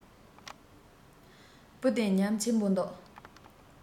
བུ དེ ཉམས ཆེན པོ འདུག